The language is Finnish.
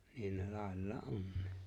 niin ne laillaan onkin